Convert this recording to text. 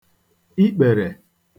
ikpèrè